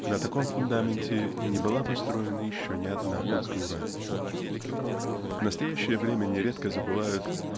На таком фундаменте не была построена еще ни одна культура. В настоящее время нередко забывают